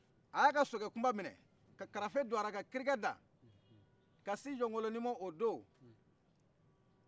a y'a sokɛ kunba minɛ ka karafe do ala kɛrɛkɛ da ka sin jɔnkoloni ma odo